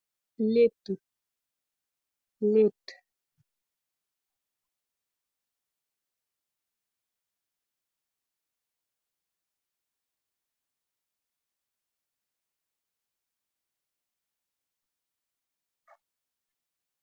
Letuh , letuh .